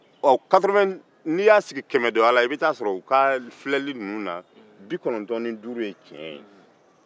n'i y'a sigi kɛmɛsara la i b'a sɔrɔ 95 ye tiɲɛ